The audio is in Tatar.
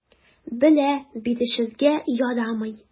Белә: бирешергә ярамый.